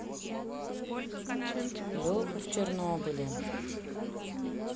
леха в чернобыле